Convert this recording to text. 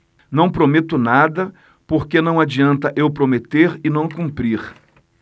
não prometo nada porque não adianta eu prometer e não cumprir